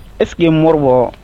Eseke mori bɔ